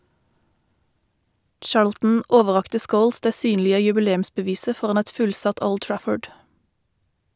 Charlton overrakte Scholes det synlige jubileumsbeviset foran et fullsatt Old Trafford.